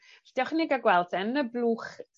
Dewch i ni ga'l gweld 'te yn y blwch